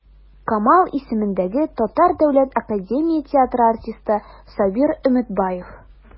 Камал исемендәге Татар дәүләт академия театры артисты Сабир Өметбаев.